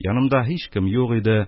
Янымда һичкем юк иде,